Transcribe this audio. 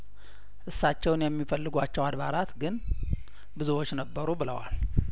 እሳቸውን የሚፈልጓቸው አድባራት ግን ብዙዎች ነበሩ ብለዋል